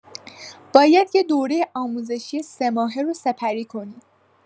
باید یه دوره آموزشی سه‌ماهه رو سپری کنی.